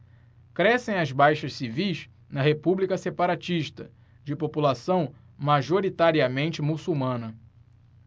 crescem as baixas civis na república separatista de população majoritariamente muçulmana